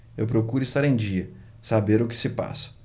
eu procuro estar em dia saber o que se passa